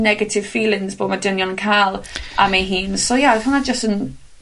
negative feelings bo' ma' dynion yn ca'l am ei hun, so ie odd hwnna jys yn